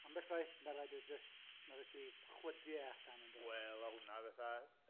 Ambell waith, ma' raid e jys, ma' rai' ti chwydu e allan, yndos? Wel o' hwnna fatha